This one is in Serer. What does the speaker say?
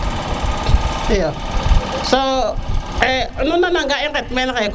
iyo so nu nana ga i qet men xaye koy